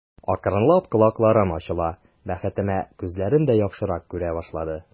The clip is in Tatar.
Акрынлап колакларым ачыла, бәхетемә, күзләрем дә яхшырак күрә башлады.